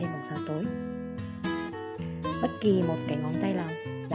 sau khi đã vẽ xong rồi thì ta tẩy và thêm mảng sáng tối bất kì một cái ngón tay nào dáng tay nào cũng vậy